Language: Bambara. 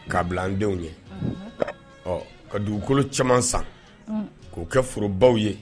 Kabila denw ye ɔ ka dugukolo caman san k'o kɛ forobaw ye